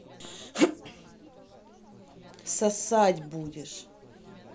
сосать будешь